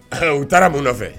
U taara mun nɔfɛ